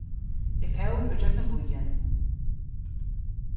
eg fór ígjøgnum býin